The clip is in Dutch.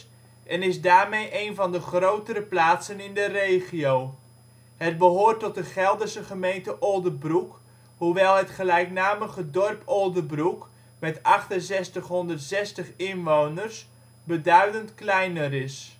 en is daarmee een van de grotere plaatsen in de regio. Het behoort tot de Gelderse gemeente Oldebroek, hoewel het gelijknamige dorp Oldebroek met 6.860 inwoners beduidend kleiner is